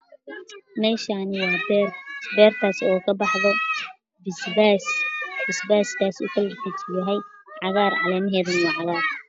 Meshani waa ber bertasi o kabaxdo Bisbas bis baskaso oo kalarkisuyahay cagar calemaheduna wa cagar